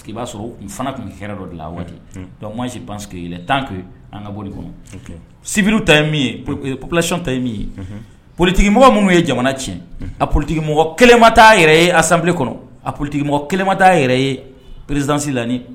I i b'a sɔrɔ fana tun bɛ hɛrɛ dɔ dilan la waatisi banɛlɛn tan an ka bɔ de kɔnɔ sibiri ta ye ye plasion ta ye min ye politigimɔgɔ minnu ye jamana tiɲɛ a politigi mɔgɔ kelenmata yɛrɛ ye am kɔnɔ a politigimɔgɔ kelenmata yɛrɛ ye perezsi la